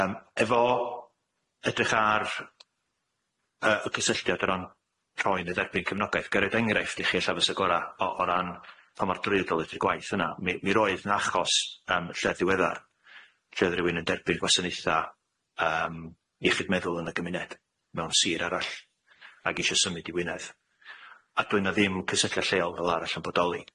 Yym efo edrych ar yy y cysylltiad o ran rhoi neu dderbyn cefnogaeth ga i roi engraiff i chi ella fysa gora' o o ran pa mor drwyadl ydi'r gwaith yna mi mi roedd 'na achos yn lled ddiweddar lle o'dd rywun yn derbyn gwasanaetha yym iechyd meddwl yn y gymuned mewn sir arall ag isho symud i Wynedd a doedd 'na ddim cysylltiad lleol fel arall yn bodoli.